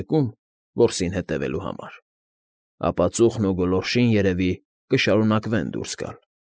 Մեկում, որսի հետևելու համար, ապա ծուխն ու գոլորշին, երևի, կշարունակվեն դուրս գալ։